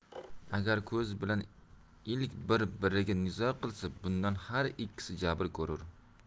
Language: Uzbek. agar ko'z bilan ilik bir biriga nizo qilsa bundan har ikkisi jabr ko'rur